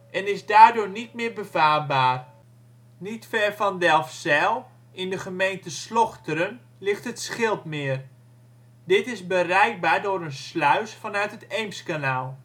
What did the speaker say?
en is daardoor niet meer bevaarbaar. Niet ver van Delfzijl, in de gemeente Slochteren, ligt het Schildmeer. Dit is bereikbaar door een sluis vanuit het Eemskanaal